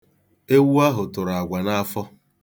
Ewu ahụ tụrụ agwa n'afọ.